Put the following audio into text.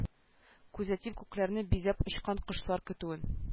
Күзәтим күкләрне бизәп очкан кошлар көтүен